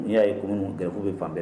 N'i y'a ye kun mun grève bɛ fan bɛɛ.